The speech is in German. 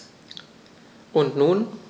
Und nun?